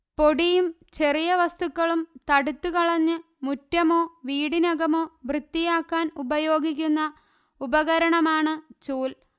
പൊടിയും ചെറിയ വസ്തുക്കളും തടുത്തുകളഞ്ഞ് മുറ്റമോ വീടിനകമോ വൃത്തിയാക്കാൻ ഉപയോഗിക്കുന്ന ഉപകരണമാണ് ചൂല്